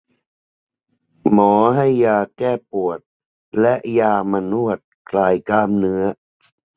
หมอให้ยาแก้ปวดและยามานวดคลายกล้ามเนื้อ